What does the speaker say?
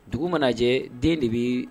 Dugu mana jɛ den de bɛ